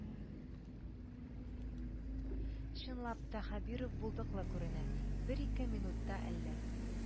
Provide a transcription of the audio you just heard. Чынлап та Хәбиров булдыклы күренә, бер-ике минутта әллә